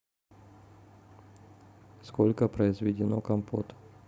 сколько произведено компот